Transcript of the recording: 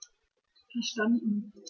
Verstanden.